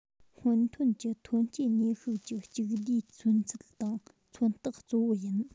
སྔོན ཐོན གྱི ཐོན སྐྱེད ནུས ཤུགས ཀྱི གཅིག བསྡུས མཚོན ཚུལ དང མཚོན རྟགས གཙོ བོ ཡིན